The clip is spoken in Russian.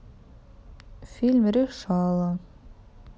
фильм решала